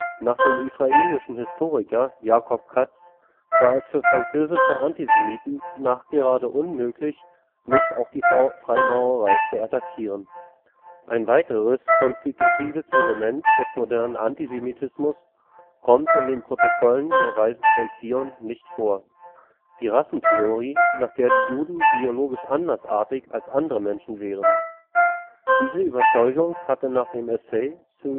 Nach dem israelischen Historiker Jacob Katz war es für französische Antisemiten nachgerade unmöglich, nicht auch die Freimaurerei zu attackieren. Ein weiteres konstitutives Element des modernen Antisemitismus kommt in den Protokollen der Weisen von Zion nicht vor: Die Rassentheorie, nach der die Juden biologisch andersartig als andere Menschen wären. Diese Überzeugung hatte nach dem „ Essai sur